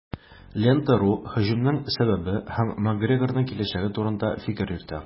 "лента.ру" һөҗүмнең сәбәбе һәм макгрегорның киләчәге турында фикер йөртә.